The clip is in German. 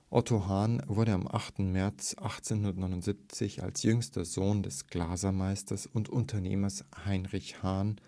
Otto Hahn wurde am 8. März 1879 als jüngster Sohn des Glasermeisters und Unternehmers Heinrich Hahn